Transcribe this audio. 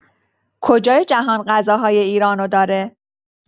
کجای جهان غذاهای ایران رو داره